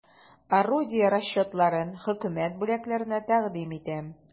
Орудие расчетларын хөкүмәт бүләкләренә тәкъдим итәм.